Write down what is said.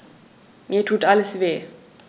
Mir tut alles weh.